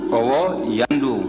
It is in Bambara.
ɔwɔ yan don